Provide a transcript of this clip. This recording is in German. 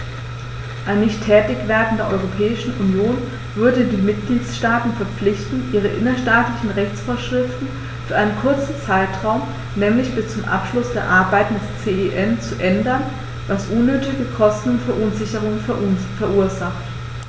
Ein Nichttätigwerden der Europäischen Union würde die Mitgliedstaaten verpflichten, ihre innerstaatlichen Rechtsvorschriften für einen kurzen Zeitraum, nämlich bis zum Abschluss der Arbeiten des CEN, zu ändern, was unnötige Kosten und Verunsicherungen verursacht.